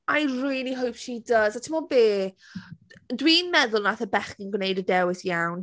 I really hope she does a timod be? Dwi'n meddwl wnaeth y bechgyn wneud y dewis iawn.